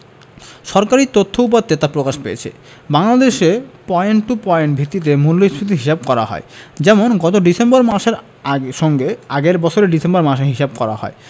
সরকারি তথ্য উপাত্তে তা প্রকাশ পেয়েছে বাংলাদেশে পয়েন্ট টু পয়েন্ট ভিত্তিতে মূল্যস্ফীতির হিসাব করা হয় যেমন গত ডিসেম্বর মাসের সঙ্গে আগের বছরের ডিসেম্বর মাসের হিসাব করা হয়